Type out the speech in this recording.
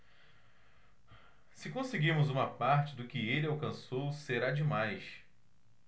se conseguirmos uma parte do que ele alcançou será demais